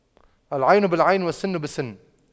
العين بالعين والسن بالسن